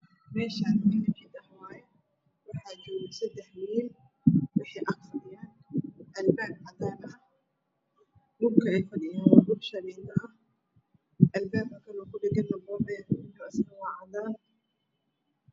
Meeshaan waa meel jid ah waxa jooga sadex marooy waxay agfadhiyaan albaabka cadaan ah dhulka ay fadhiyaana waa shamiito albaaka kale ku dhagan waa cadan